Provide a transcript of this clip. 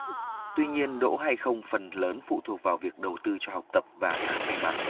tuy nhiên đỗ hay không phần lớn phụ thuộc vào việc đầu tư cho học tập và cả may mắn